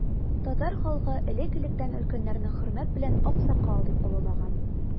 Татар халкы элек-электән өлкәннәрне хөрмәт белән аксакал дип олылаган.